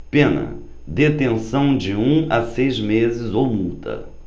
pena detenção de um a seis meses ou multa